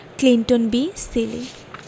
Clinton B Seely